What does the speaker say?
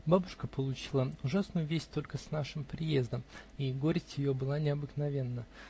Бабушка получила ужасную весть только с нашим приездом, и горесть ее была необыкновенна.